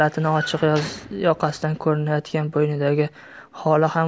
xalatining ochiq yoqasidan ko'rinayotgan bo'ynidagi xoli ham